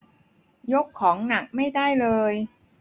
ยกของหนักไม่ได้เลย